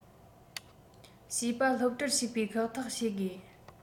བྱིས པ སློབ གྲྭར ཞུགས པའི ཁག ཐེག བྱེད དགོས